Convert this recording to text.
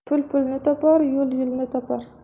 pul pulni topar yo'l yo'lni topar